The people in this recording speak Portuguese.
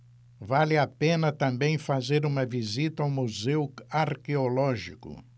vale a pena também fazer uma visita ao museu arqueológico